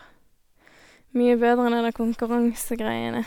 Mye bedre enn det der konkurranse-greiene.